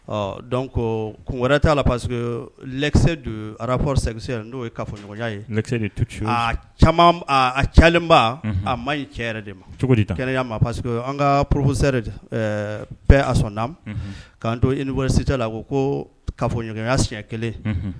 Ɔ dɔn ko kun wɛrɛ t'a la parce ararap sɛgkisɛ n'o ye kafɔ ɲɔgɔnya ye caman a calenba a ma ɲi cɛ de ma cogodi' ma parceseke an ka poropsɛ bɛɛ a sɔnna k'an to i niɔrisite la ko ko kafɔ ɲɔgɔnya siɲɛ kelen